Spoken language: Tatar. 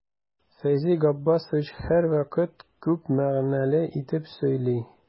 Фәйзи Габбасович һәрвакыт күп мәгънәле итеп сөйли.